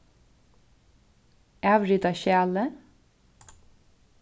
avrita skjalið